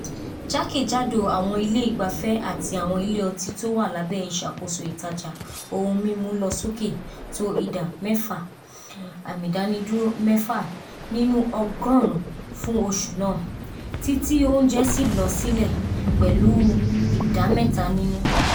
Jákèjádò àwọn ilé ìgbafẹ́ àti àwọn ilé ọtí tó wà lábẹ́ ìṣàkoso ìtàjà ohun mímu lọ sókè tó ìdá 6.6 nínú ọgọ́ọ̀rún fún oṣù náà, tí ti óùnjẹ síì lọ sílẹ̀ pẹ̀lu ìdá mẹ́ta nínú ."